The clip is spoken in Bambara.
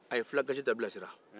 a ye fula gasita bilasira